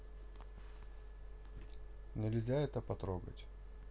нельзя это потрогать